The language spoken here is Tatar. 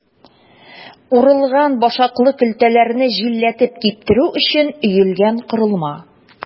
Урылган башаклы көлтәләрне җилләтеп киптерү өчен өелгән корылма.